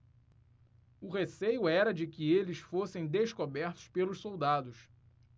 o receio era de que eles fossem descobertos pelos soldados